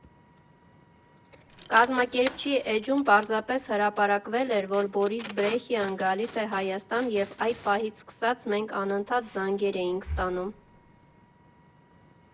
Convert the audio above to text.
Կազմակերպչի էջում պարզապես հրապարակվել էր, որ Բորիս Բրեիխան գալիս է Հայաստան և այդ պահից սկսած մենք անընդհատ զանգեր էինք ստանում։